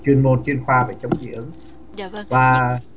chuyên môn chuyên khoa và chống dị ứng và